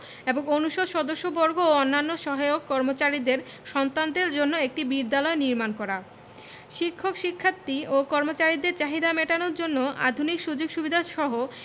এবং অনুষদ সদস্যবর্গ ও অন্যান্য সহায়ক কর্মচারীদের সন্তানদের জন্য একটি বিদ্যালয় নির্মাণ করা শিক্ষক শিক্ষার্থী ও কর্মচারীদের চাহিদা মেটানোর জন্য আধুনিক সুযোগ সুবিধাসহ